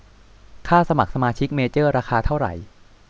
ค่าสมัครสมาชิกเมเจอร์ราคาเท่าไหร่